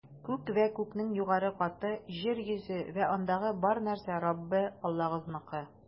Күк вә күкнең югары каты, җир йөзе вә андагы бар нәрсә - Раббы Аллагызныкы.